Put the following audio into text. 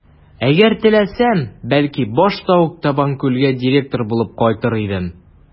Әгәр теләсәм, бәлки, башта ук Табанкүлгә директор булып кайтыр идем.